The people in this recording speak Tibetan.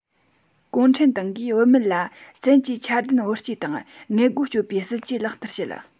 གུང ཁྲན ཏང གིས བུད མེད ལ བཙན གྱིས འཆར ལྡན བུ སྐྱེས དང མངལ སྒོ གཅོད པའི སྲིད ཇུས ལག བསྟར བྱེད